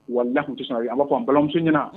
Wa la tun tɛ a fɔ'an balimamuso ɲɛna